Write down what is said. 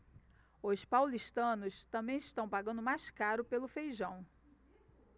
os paulistanos também estão pagando mais caro pelo feijão